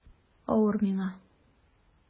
Авыр миңа...